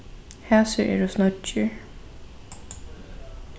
hasir eru snøggir